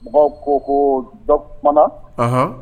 Mɔgɔw ko koo dɔ kumana anhan